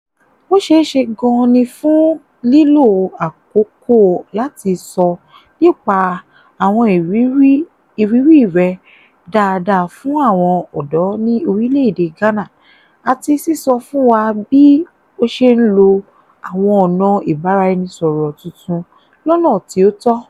O ṣeé gan-an ni fún lílo àkókò láti sọ nípa àwọn ìrírí rẹ dáadáa fún àwọn ọ̀dọ́ ní orílẹ̀ èdè Ghana àti sísọ fún wa bí ó ṣe ń lo àwọn ọ̀nà ìbáraẹnisọ̀rọ̀ tuntun lọ́nà tí ó tọ́.